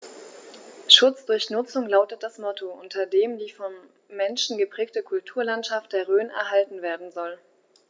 „Schutz durch Nutzung“ lautet das Motto, unter dem die vom Menschen geprägte Kulturlandschaft der Rhön erhalten werden soll.